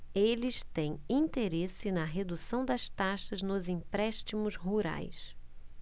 eles têm interesse na redução das taxas nos empréstimos rurais